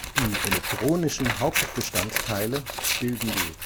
Die elektronischen Hauptbestandteile bilden die